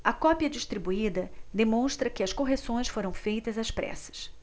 a cópia distribuída demonstra que as correções foram feitas às pressas